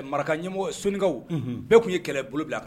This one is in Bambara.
Maraka ɲɛmɔgɔ sokaw bɛɛ tun ye kɛlɛbolo bila kan